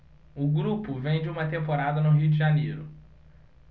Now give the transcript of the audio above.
o grupo vem de uma temporada no rio de janeiro